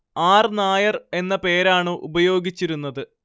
R Nair എന്ന പേരാണു ഉപയോഗിച്ചിരുന്നത്